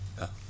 waaw